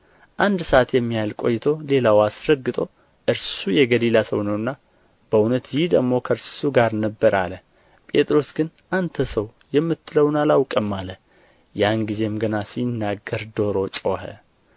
አንድ ሰዓትም የሚያህል ቆይቶ ሌላው አስረግጦ እርሱ የገሊላ ሰው ነውና በእውነት ይህ ደግሞ ከእርሱ ጋር ነበረ አለ ጴጥሮስ ግን አንተ ሰው የምትለውን አላውቅም አለ ያን ጊዜም ገና ሲናገር ዶሮ ጮኸ